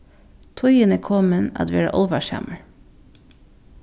tíðin er komin at vera álvarsamur